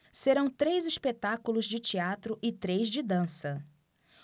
serão três espetáculos de teatro e três de dança